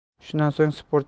shundan so'ng sportchi